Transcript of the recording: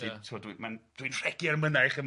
felly timod dwi ma'n dwi'n rhegi ar y mynach yma